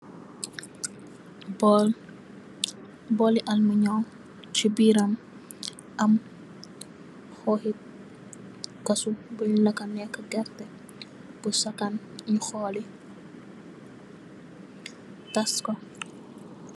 Bóól bóóli almiñoo ci biiram am xooki kassu bu lakka nèkka gerteh bu sakan buñ xoli tass ko.